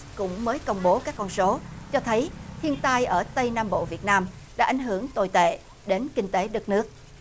cũng mới công bố các con số cho thấy thiên tai ở tây nam bộ việt nam đã ảnh hưởng tồi tệ đến kinh tế đất nước